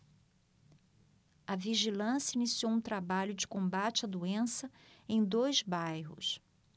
a vigilância iniciou um trabalho de combate à doença em dois bairros